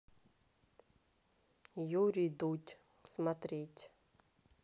юрий дудь смотреть